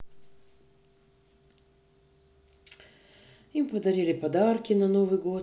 им подарили подарки в новый год